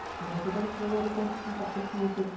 Нәрсәдән көләләр икән шушы хәтле чын итеп?